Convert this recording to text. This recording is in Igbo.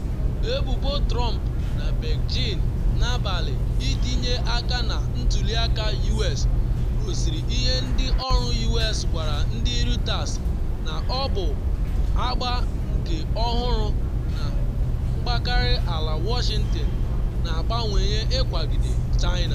Ebubo Trump na Beijing na-agbalị itinye aka na ntuli aka U.S gosiri ihe ndị ọrụ U.S gwara ndị Reuters na ọ bụ agba nke ọhụrụ na mgbakiri ala Washington na-abawanye ịkwagide China.